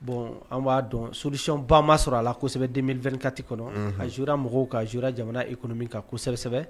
Bɔn an b'a dɔn ssiyɔnbaba sɔrɔ a la kɔsɛbɛden2kati kɔnɔ aora mɔgɔw kaora jamana i kɔnɔ min ka kosɛbɛ kosɛbɛ